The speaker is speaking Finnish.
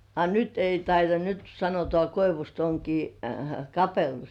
a nyt ei taitaisi nyt sanotaan koivusta onkin kapellus